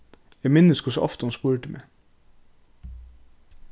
eg minnist hvussu ofta hon spurdi meg